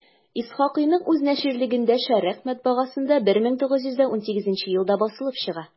Исхакыйның үз наширлегендә «Шәрекъ» матбагасында 1918 елда басылып чыга.